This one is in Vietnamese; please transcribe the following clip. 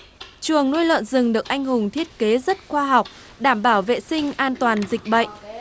chuồng nuôi lợn rừng được anh hùng thiết kế rất khoa học đảm bảo vệ sinh an toàn dịch bệnh